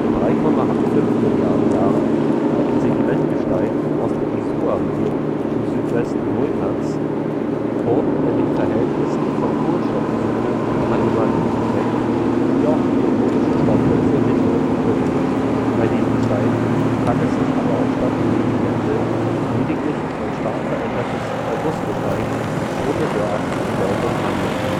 3,85 Milliarden Jahre altem Sedimentgestein aus der Isua-Region im Südwesten Grönlands wurden in den Verhältnissen von Kohlenstoffisotopen Anomalien entdeckt, die auf biologischen Stoffwechsel hindeuten könnten; bei dem Gestein kann es sich aber auch statt um Sedimente lediglich um ein stark verändertes Ergussgestein ohne derartige Bedeutung handeln